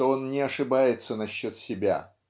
что он не ошибается насчет себя